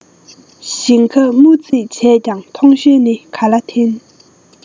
ཞིང ཁ རྨོ ཙིས བྱས ཀྱང ཐོང གཤོལ ནི ག ལ འཐེན